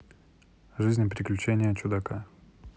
жизнь и приключения чудака